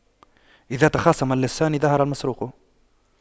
إذا تخاصم اللصان ظهر المسروق